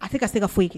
A tɛ ka se ka foyi kɛ